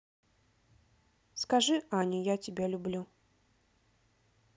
скажи аня я тебя люблю